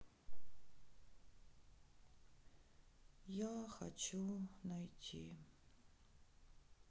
я хочу найти